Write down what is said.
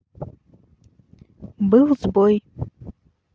был сбой